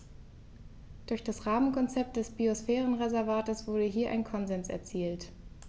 Durch das Rahmenkonzept des Biosphärenreservates wurde hier ein Konsens erzielt.